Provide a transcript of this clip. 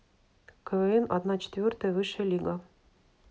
квн одна четвертая высшая лига